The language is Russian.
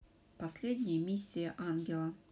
последняя миссия ангела